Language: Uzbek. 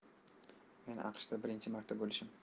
men aqshda birinchi marta bo'lishim